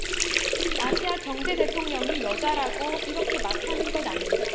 아시아경제 대통령이 여자라고 이렇게 막 하는 것 아니냐